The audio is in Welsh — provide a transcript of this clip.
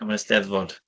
Am yr Eisteddfod.